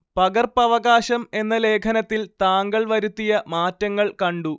പകർപ്പവകാശം എന്ന ലേഖനത്തിൽ താങ്കൾ വരുത്തിയ മാറ്റങ്ങൾ കണ്ടു